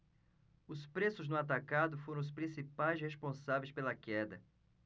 os preços no atacado foram os principais responsáveis pela queda